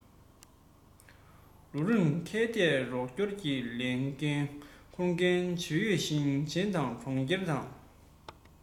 ལོ རིང ཁ གཏད རོགས སྐྱོར གྱི ལས འགན ཁུར མཁན འབྲེལ ཡོད ཞིང ཆེན དང གྲོང ཁྱེར དང